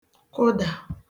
kụdà